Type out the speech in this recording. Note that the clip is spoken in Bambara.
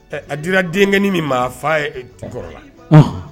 Ɛɛ a dira denkɛnin min ma, a fa kɔrɔ la